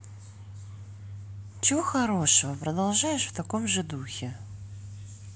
чего хорошего продолжаешь в таком же духе